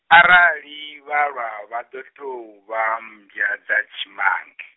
arali, vha lwa, vhado tou vha mmbwa dza tshimange.